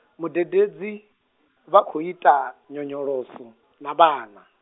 mudededzi, vha khou ita, nyonyoloso, na vhana.